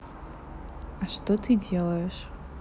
а что ты делаешь